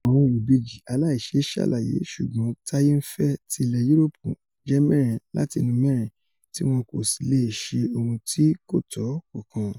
Àwọn ìbejì aláìṣeéṣàlàyé ṣùgbọ́n táyé ńfẹ́ ti ilẹ̀ Yuroopu jẹ́ mẹ́rin láti inú mẹ́rin tí wọn kòsí leè ṣe ohun tí kòtọ́ kankan.